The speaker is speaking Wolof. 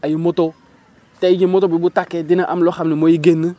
ay moto tey jii moto bi bu tàkkee dina am loo xam ne mooy génn